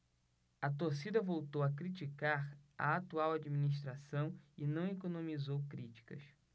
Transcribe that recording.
a torcida voltou a criticar a atual administração e não economizou críticas